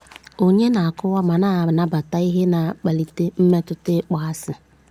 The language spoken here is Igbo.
Ònyé na-akọwa ma na-anabata ihe na-akpali mmetụta ịkpọasị?